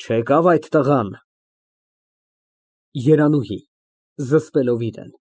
Չեկավ այդ տղան։ ԵՐԱՆՈՒՀԻ ֊ (Զսպելով իրեն)